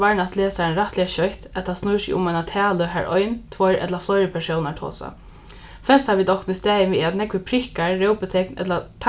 varnast lesarin rættiliga skjótt at tað snýr seg um eina talu har ein tveir ella fleiri persónar tosa festa vit okkum í staðin við at nógvir prikkar rópitekn ella